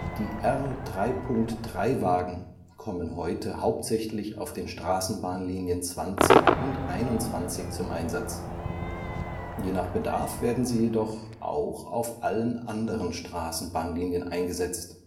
Die R-3.3-Wagen kommen heute hauptsächlich auf den Straßenbahnlinien 20 und 21 zum Einsatz. Je nach Bedarf werden sie jedoch auch auf allen anderen Straßenbahnlinien eingesetzt